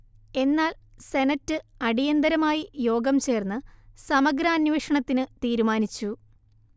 എന്നാൽ സെനറ്റ് അടിയന്തരമായി യോഗം ചേർന്ന് സമഗ്രാന്വേഷണത്തിന് തീരുമാനിച്ചു